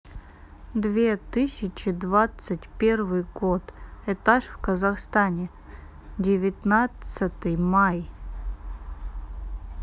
две тысячи двадцать первый год этаж в казахстане девятнадцатый май